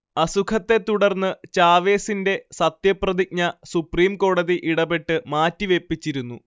അസുഖത്തെ തുടർന്ന് ചാവേസിന്റെ സത്യപ്രതിജ്ഞ സുപ്രീം കോടതി ഇടപെട്ട് മാറ്റിവെപ്പിച്ചിരുന്നു